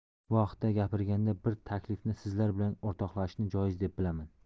bu haqda gapirganda bir taklifni sizlar bilan o'rtoqlashishni joiz deb bilaman